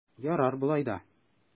Ярар болай да!